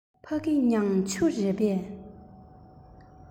ཕ གི མྱང ཆུ རེད པས